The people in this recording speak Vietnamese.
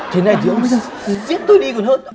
thế này thì ông giết tôi đi còn hơn